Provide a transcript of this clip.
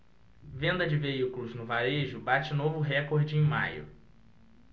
venda de veículos no varejo bate novo recorde em maio